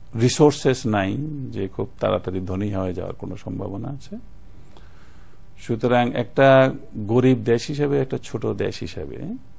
resources নাই যে খুব তাড়াতাড়ি ধনী হয়ে যাওয়ার কোন সম্ভাবনা আছে সুতরাং একটা গরিব দেশ হিসেবে একটা ছোট দেশ হিসেবে